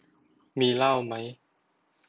มีเหล้าไหม